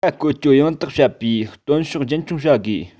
མི སྣ བཀོལ སྤྱོད ཡང དག བྱེད པའི སྟོན ཕྱོགས རྒྱུན འཁྱོངས བྱ དགོས